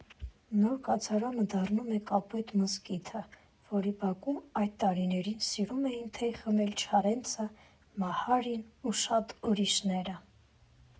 Նոր կացարանը դառնում է Կապույտ մզկիթը, որի բակում այդ տարիներին սիրում էին թեյ խմել Չարենցը, Մահարին ու շատ ուրիշները։